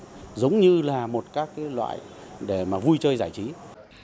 giống như là một các cái loại để mà vui chơi giải trí